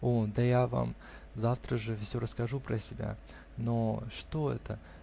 -- О, да я вам завтра же всё расскажу про себя! Но что это?